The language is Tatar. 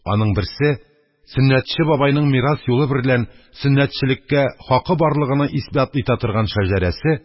Аның берсе – сөннәтче бабайның мирас юлы берлән сөннәтчелеккә хакы барлыгыны исбат итә торган шәҗәрәсе,